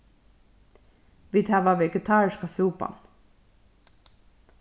vit hava vegetariska súpan